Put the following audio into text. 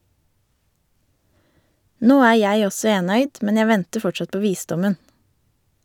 Nå er jeg også enøyd, men jeg venter fortsatt på visdommen.